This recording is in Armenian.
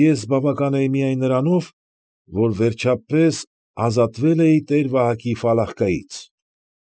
Ես բավական էի միայն նրանով, որ, վերջապես, ազատվել էի տեր֊Վահակի ֆալախկայից։